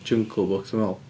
Jungle Book, dwi'n meddwl?